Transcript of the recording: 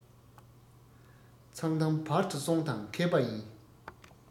མཚང གཏམ བར དུ གསོང དང མཁས པ ཡིན